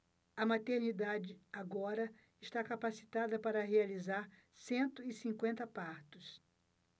a maternidade agora está capacitada para realizar cento e cinquenta partos